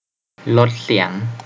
ลดเสียง